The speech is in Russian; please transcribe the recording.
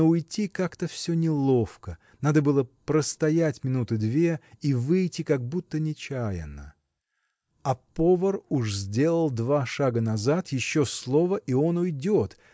но уйти как-то все неловко – надо было простоять минуты две и выйти как будто нечаянно. А повар уж сделал два шага назад еще слово – и он уйдет